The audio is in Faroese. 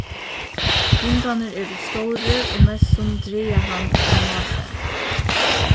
hundarnir eru stórir og mestsum draga hann aftaná sær